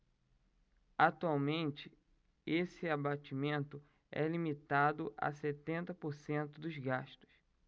atualmente esse abatimento é limitado a setenta por cento dos gastos